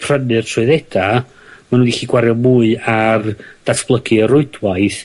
prynu'r trwyddeda', ma' nw'n gallu gwario mwy ar datblygu y rwydwaith